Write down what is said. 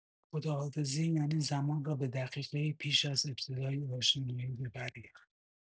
خداحافظی یعنی زمان را به دقیقه‌ای پیش از ابتدای آشنایی ببری!